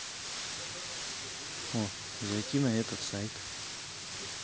зайти на этот сайт